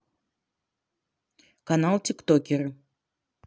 канал тиктокеры